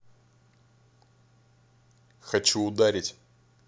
хочу ударить